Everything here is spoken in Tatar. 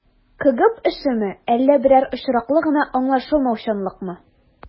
КГБ эшеме, әллә берәр очраклы гына аңлашылмаучанлыкмы?